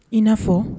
I na fɔ?